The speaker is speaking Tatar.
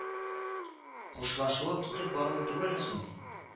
Хушлашуы, китеп баруы түгелме соң